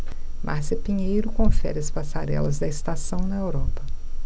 márcia pinheiro confere as passarelas da estação na europa